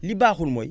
li baaxul mooy